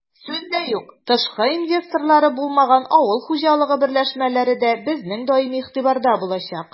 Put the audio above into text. Сүз дә юк, тышкы инвесторлары булмаган авыл хуҗалыгы берләшмәләре дә безнең даими игътибарда булачак.